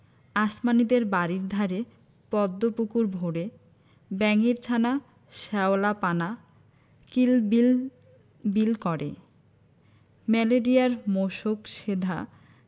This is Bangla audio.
আসমানীদের বাড়ির ধারে পদ্ম পুকুর ভরে ব্যাঙের ছানা শ্যাওলা পানা কিল বিল বিল করে ম্যালেরিয়ার মশক সেধা